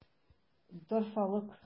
Дорфалык!